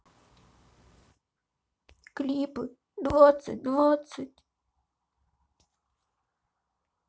клипы двадцать двадцать